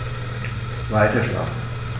Weiterschlafen.